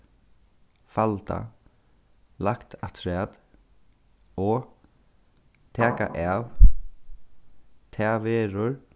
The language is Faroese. falda lagt afturat og taka av tað verður